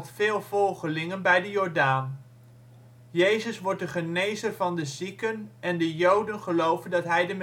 veel volgelingen bij de Jordaan. Jezus wordt de genezer van de zieken en de Joden geloven dat hij de